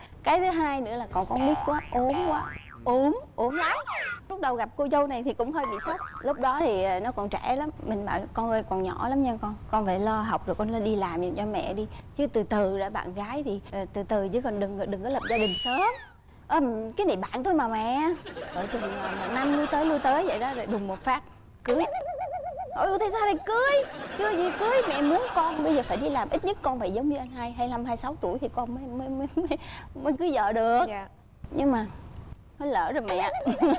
cái thứ hai nữa là còn con nít quá ốm quá ốm ốm lắm lúc đầu gặp cô dâu này thì cũng hơi bị sốc lúc đó thì nó còn trẻ lắm mình bảo con ơi còn nhỏ lắm nha con con phải lo học rồi con đi làm cho mẹ đi chứ từ từ đã bạn gái thì từ từ chứ còn đừng đừng có lập gia đình sớm âm cái này bạn thôi mà mẹ cỡ chừng một năm lui tới lui tới vậy đó rồi đùng một phát cưới ơ tại sao lại cưới chưa gì cưới mẹ muốn con bây giờ phải đi làm ít nhất con phải giống như anh hai hai lăm hai sáu tuổi thì con mới mới mới cưới vợ được nhưng mà nó lỡ rồi mẹ